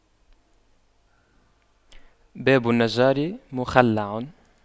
باب النجار مخَلَّع